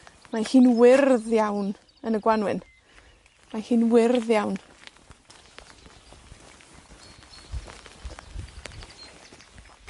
Mae hi'n wyrdd iawn yn y Gwanwyn, mae hi'n wyrdd iawn.